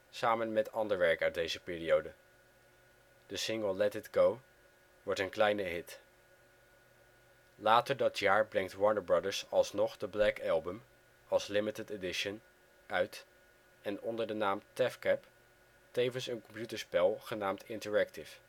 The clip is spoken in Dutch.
samen met ander werk uit deze periode. De single Letitgo wordt een kleine hit (nl: #18). Later dat jaar brengt Warner Brothers alsnog de The Black Album (als limited edition) uit en onder de naam TAFKAP tevens een computerspel genaamd Interactive